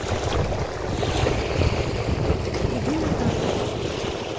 владимир гарбовский